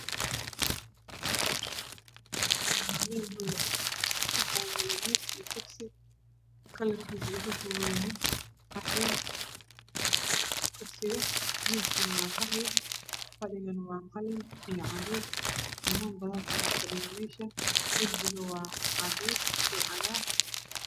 Meeshaan waa meel hool ah waxaa yaalo miis iyo kursi kalarkiisu uu ka kooban yahay qaxwi miiska. Kursigana waa qaxwi. Fadhigana waa qalin iyo cadeys. Niman badan ayaa fadhiyo. Darbiguna waa cadeys iyo cagaar.